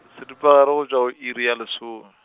se dupa go tšwa o iri ya lesome.